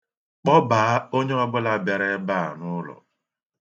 Kpọbaa onye ọbụla bịara ebe a n'ụlọ.